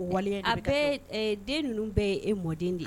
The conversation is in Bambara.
Wale a bɛ den ninnu bɛ ye e mɔden de ye